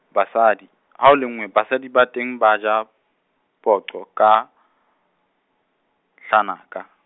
basadi, ha ho lenngwe basadi ba teng ba ja, poqo ka, hlanaka.